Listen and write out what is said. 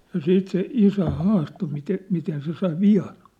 ja sitten se isä haastoi - miten se sai vian